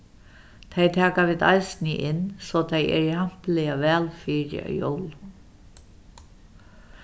tey taka vit eisini inn so tey eru hampiliga væl fyri á jólum